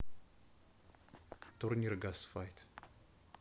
турнир гас fight